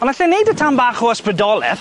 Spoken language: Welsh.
On' allai neud y tan bach o ysbrydoleth.